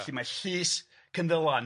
Felly mae llys Cynddylan